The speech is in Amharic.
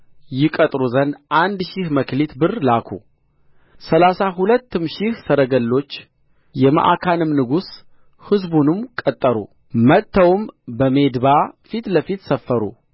ይቀጥሩ ዘንድ አንድ ሺህ መክሊት ብር ላኩ ሠላሳ ሁለትም ሺህ ሰረገሎች የመዓካንም ንጉሥ ሕዝቡንም ቀጠሩ መጥተውም በሜድባ ፊት ለፊት ሰፈሩ